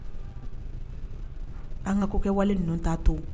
An ka ko kɛ wale ninnu t' to